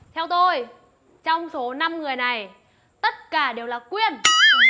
theo tôi trong số năm người này tất cả đều là quyên